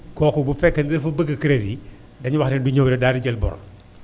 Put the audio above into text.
kooku bu fekkee dafa bëgg crédit dañuy wax ne du ñëw rek daal di jël bor